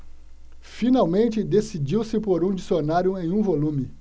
finalmente decidiu-se por um dicionário em um volume